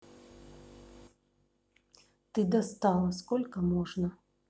ты достала сколько можно